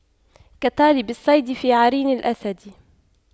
كطالب الصيد في عرين الأسد